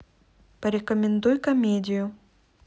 порекомендуй комедию